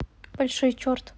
большой черт